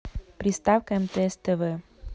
приставка мтс тв